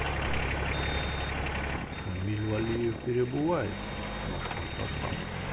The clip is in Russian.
шамиль валиев переобувается башкортостан